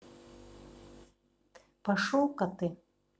пошел ка ты